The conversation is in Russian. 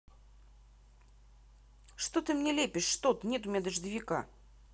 что ты мне лепишь что то нету меня дождевика